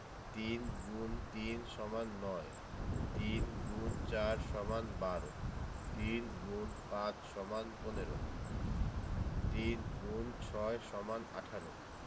৩ × ৩ = ৯ ৩ X ৪ = ১২ ৩ X ৫ = ১৫ ৩ x ৬ = ১৮